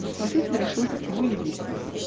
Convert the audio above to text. Смотритель решился к нему явиться.